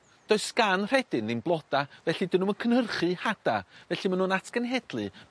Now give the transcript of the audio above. Does gan rhedyn ddim bloda felly 'dyn nw'm yn cynhyrchu hada felly ma' nw'n atgenhedlu